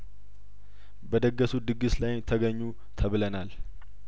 በደገ ሱት ድግስ ላይም ተገኙ ተብለናል